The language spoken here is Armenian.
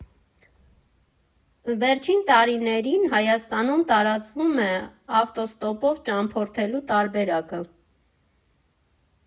Վերջին տարիներին Հայաստանում տարածվում է ավտոստոպով ճամփորդելու տարբերակը։